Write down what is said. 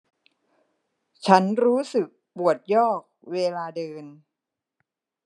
ฉันรู้สึกปวดยอกเวลาเดิน